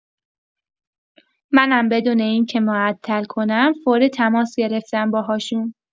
منم بدون اینکه معطل کنم فوری تماس گرفتم باهاشون.